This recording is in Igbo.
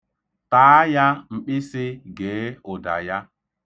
Taa ya mkpịsị, gee ụda ya.